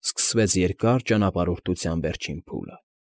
Սկսվեց երկար ճանապարհորդության վերջին փուլը։